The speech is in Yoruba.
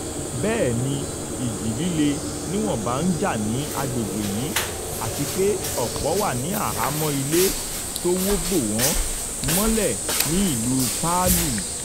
Bẹ́ẹ̀ ni ìjì-líle níwọ̀nba ń ja ní àgbègbè yí. Àti pé ọ̀pọ̀ wà ní àhámọ́ ilé tó wó bò wọ́n mọlẹ̀ ní ìlú Palu.